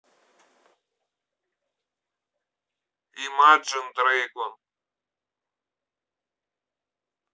imagine dragon